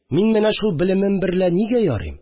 Мин менә шул белем берлә нигә ярыйм